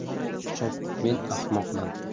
xo'p men ahmoqman